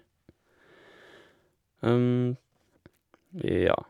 Ja.